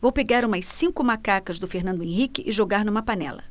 vou pegar umas cinco macacas do fernando henrique e jogar numa panela